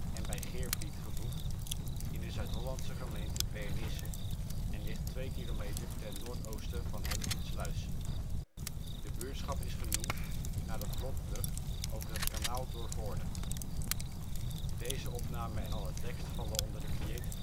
en bij Geervliet gevoegd) in de Zuid-Hollandse gemeente Bernisse, en ligt twee kilometer ten noordoosten van Hellevoetsluis. De buurtschap is genoemd naar de vlotbrug over het Kanaal door Voorne. 51° 51 ' NB, 4° 11 ' OL Sjabloon:Navigatie gemeente